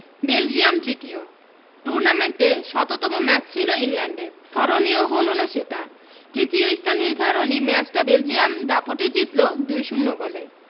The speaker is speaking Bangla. বেলজিয়াম তৃতীয় টুর্নামেন্টে শততম ম্যাচ ছিল ইংল্যান্ডের স্মরণীয় হলো না সেটা তৃতীয় স্থান নির্ধারণী ম্যাচটা বেলজিয়াম দাপটে জিতল ২ ০ গোলে